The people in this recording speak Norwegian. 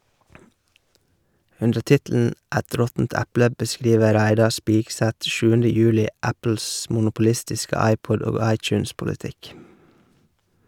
Under tittelen "Et råttent eple" beskriver Reidar Spigseth 7. juli Apples monopolistiske iPod- og iTunes-politikk.